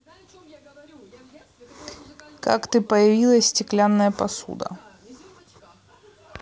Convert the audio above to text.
как ты появилась стеклянная посуда